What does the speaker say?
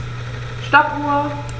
Stoppuhr.